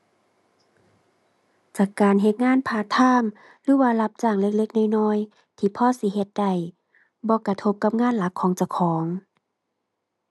จากการเฮ็ดงานพาร์ตไทม์หรือว่ารับจ้างเล็กเล็กน้อยน้อย ที่พอสิเฮ็ดได้ บ่กระทบกับงานหลักของเจ้าของ